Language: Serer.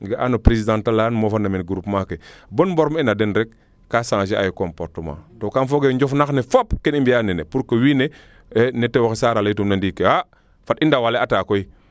ga'aano presidente a leyaan mofan na mene groupement ke bon former na den rek kaa changer aayo comportement to kam fooge njof lang ne fop kene i mbiya nene pour que wiin we ne tewoxe Sarr a ley tuuna ndiiki fat i ndawale ata koy